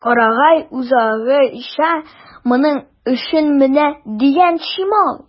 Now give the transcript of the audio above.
Карагай үзагачы моның өчен менә дигән чимал.